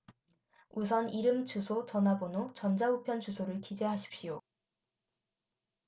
우선 이름 주소 전화번호 전자 우편 주소를 기재하십시오